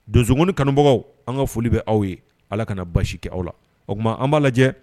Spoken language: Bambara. Dongoni kanumɔgɔw an ka foli bɛ aw ye ala ka na basi kɛ aw la o tuma an b'a lajɛ